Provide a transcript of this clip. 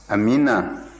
amiina